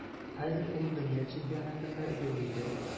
Хәзер ул дөнья чемпионатында юк иде.